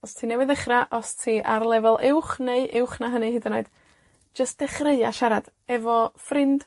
os ti newydd ddechra, os ti ar lefel uwch neu uwch na hynny hyd yn oed, jyst dechreua siarad efo ffrind.